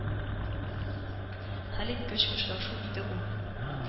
Хәлиткеч очрашу иде ул.